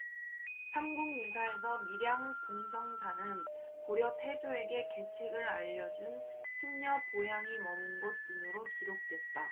삼국유사에서 밀양 봉성사는 고려 태조에게 계책을 알려준 승려 보양이 머문 곳 등으로 기록됐다